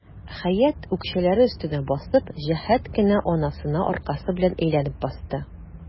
Хәят, үкчәләре өстенә басып, җәһәт кенә анасына аркасы белән әйләнеп басты.